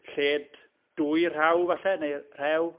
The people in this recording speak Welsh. Lled dwy rhaw falle neu rhew.